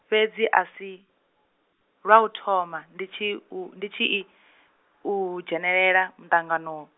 fhedzi a si, lwa uthoma ndi tshi u, ndi tshi i, udzhenelela muṱangano.